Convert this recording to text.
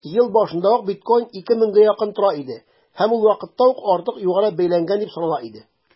Ел башында ук биткоин 2 меңгә якын тора иде һәм ул вакытта ук артык югары бәяләнгән дип санала иде.